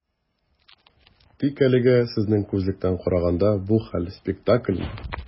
Тик әлегә, сезнең күзлектән караганда, бу хәл - спектакльмы?